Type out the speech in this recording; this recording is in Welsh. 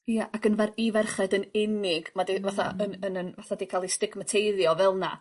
Ia ac yn fer- i ferched yn unig ma' di' fatha yn yn yn fatha 'di ca'l 'i stigmateiddio fel 'na.